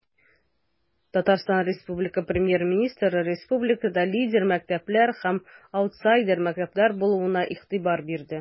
ТР Премьер-министры республикада лидер мәктәпләр һәм аутсайдер мәктәпләр булуына игътибар бирде.